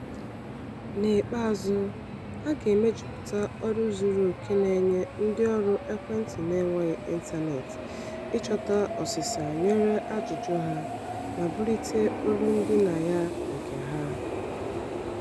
N'ikpeazụ, a ga-emejupụta ọrụ zuru oke na-enye ndịọrụ ekwentị na-enweghị ịntaneetị ịchọta ọsịsa nyere ajụjụ ha ma bulite olu ndịnaya nke ha.